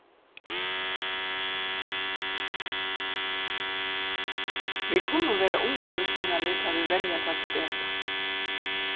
vit kunnu vera umhvørvisvinarlig tá ið vit velja hvat vit eta